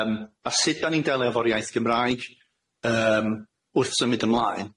Yym a sud dan ni'n delio efo'r iaith Gymraeg yym wrth symud ymlaen?